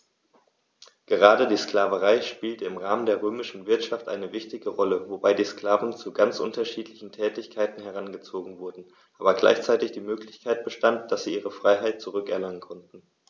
Gerade die Sklaverei spielte im Rahmen der römischen Wirtschaft eine wichtige Rolle, wobei die Sklaven zu ganz unterschiedlichen Tätigkeiten herangezogen wurden, aber gleichzeitig die Möglichkeit bestand, dass sie ihre Freiheit zurück erlangen konnten.